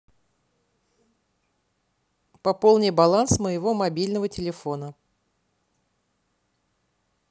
пополни баланс моего мобильного телефона